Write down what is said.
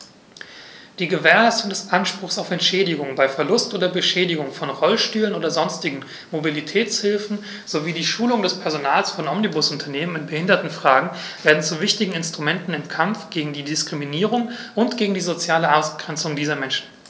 Die Gewährleistung des Anspruchs auf Entschädigung bei Verlust oder Beschädigung von Rollstühlen oder sonstigen Mobilitätshilfen sowie die Schulung des Personals von Omnibusunternehmen in Behindertenfragen werden zu wichtigen Instrumenten im Kampf gegen Diskriminierung und gegen die soziale Ausgrenzung dieser Menschen.